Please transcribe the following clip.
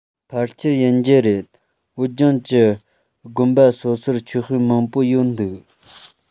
ཕལ ཆེར ཡིན གྱི རེད བོད ལྗོངས ཀྱི དགོན པ སོ སོར ཆོས དཔེ མང པོ ཡོད འདུག